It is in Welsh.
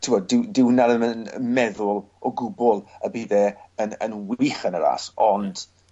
t'mod dyw dyw wnna ddim yn yn meddwl o gwbwl y bydd e yn yn wych yn y ras ond